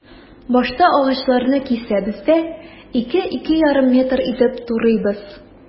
Башта агачларны кисәбез дә, 2-2,5 метр итеп турыйбыз.